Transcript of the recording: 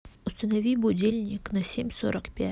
установи будильник на семь сорок пять